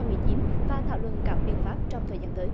mười chín và thảo luận các biện pháp trong thời gian tới